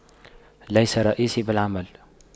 ليس رئيسي بالعمل